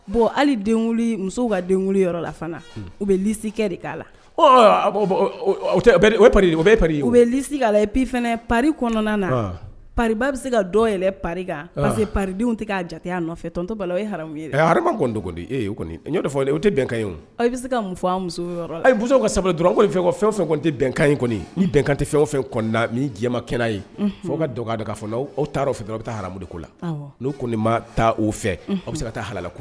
Bon hali ka yɔrɔ u bɛ lisi kɛ de'a la u bɛ si pri kɔnɔna naba bɛ se ka dɔ yɛrɛ sedenw tɛ k'a jate nɔfɛ tɔntɔ bala e ha hadi e kɔni' o tɛ bɛnkan bɛ se ka fɔ muso a ka dɔrɔn ko fɛn fɛn fɛ tɛ bɛnkan in kɔni bɛnkan tɛ fɛn fɛ ni diɲɛma kɛnɛ ye fo ka dɔgɔ' fɔ aw taara yɔrɔ fɛ dɔrɔn bɛ taa ha amadu ko la n' kɔni ma taa o fɛ a bɛ se ka taa hala kɔnɔ